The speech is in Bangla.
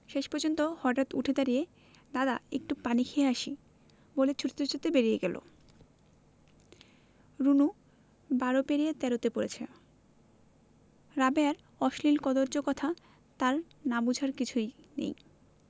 শেষ পর্যন্ত হঠাৎ উঠে দাড়িয়ে দাদা একটু পানি খেয়ে আসি বলে ছুটতে ছুটতে বেরিয়ে গেল রুনু বারো পেরিয়ে তেরোতে পড়েছে রাবেয়ার অশ্লীল কদৰ্য কথা তার না বুঝার কিছুই নেই